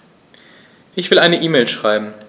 Ich will eine E-Mail schreiben.